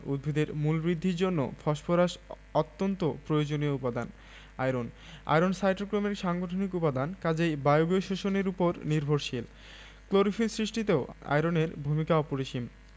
উদ্ভিদের মূল বৃদ্ধির জন্য ফসফরাস অত্যন্ত প্রয়োজনীয় উপাদান আয়রন আয়রন সাইটোক্রোমের সাংগঠনিক উপাদান কাজেই বায়বীয় শ্বসন এর উপর নির্ভরশীল ক্লোরোফিল সৃষ্টিতেও আয়রনের ভূমিকা অপরিসীম